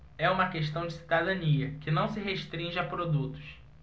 é uma questão de cidadania que não se restringe a produtos